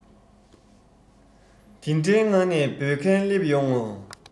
དེ འདྲའི ངང ནས འབོད མཁན སླེབས ཡོང ངོ